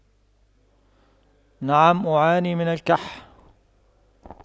نعم أعاني من الكح